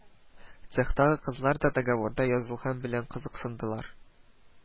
Цехтагы кызлар да договорда язылганнар белән кызыксындылар: